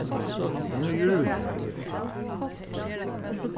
hann er í ørviti